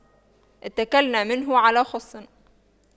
اتَّكَلْنا منه على خُصٍّ